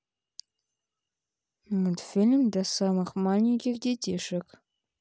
мультфильмы для самых маленьких детишек